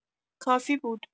کافی بود.